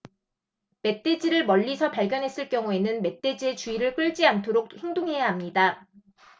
멧돼지를 멀리서 발견했을 경우에는 멧돼지의 주의를 끌지 않도록 행동해야 합니다